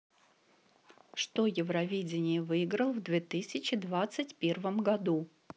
что евровидение выиграл в две тысячи двадцать первом году